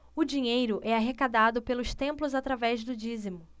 o dinheiro é arrecadado pelos templos através do dízimo